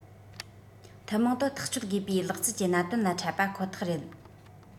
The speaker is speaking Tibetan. ཐུན མོང དུ ཐག གཅོད དགོས པའི ལག རྩལ གྱི གནད དོན ལ འཕྲད པ ཁོ ཐག རེད